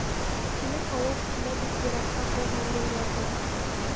Синең аваз килә бик еракта калган еллардан.